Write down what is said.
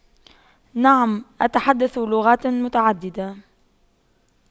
نعم أتحدث لغات متعددة